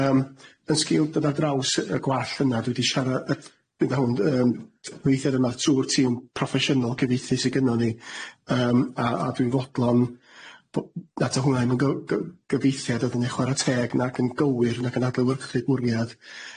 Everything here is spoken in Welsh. Yym yn sgil bod ar draws yy y gwall yna dwi 'di siarad yy yy weithio yma trw'r tîm proffesiynol cyfieithu sy gynnon ni yym a a dwi'n fodlon bo- nad yw hwnna ddim yn gy- gy- gyfieithiad o'dd'n chwara teg nac yn gywir nac yn adlewyrchu bwriad,